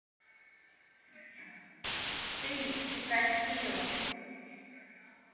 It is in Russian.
ты чикатило